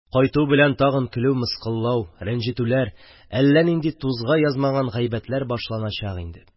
Кайту белән, тагын көлү-мыскыллау, рәнҗетүләр, әллә нинди тузга язмаган гайбәтләр башланачак инде.